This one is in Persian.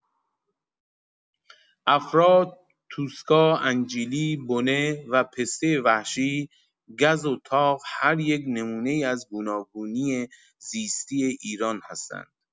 افرا، توسکا، انجیلی، بنه و پسته وحشی، گز و تاغ هر یک نمونه‌ای از گوناگونی زیستی ایران هستند.